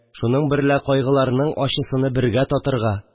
Шуның берлә кайгыларның ачысыны бергә татырга